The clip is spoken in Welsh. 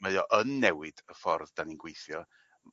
Mae e yn newid y ffordd 'dan ni'n gweithio.